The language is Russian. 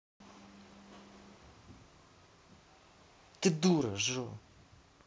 ты дура жо